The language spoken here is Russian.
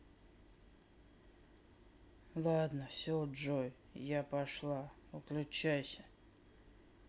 ладно все джой я пошла выключайся